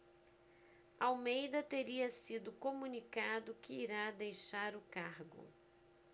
almeida teria sido comunicado que irá deixar o cargo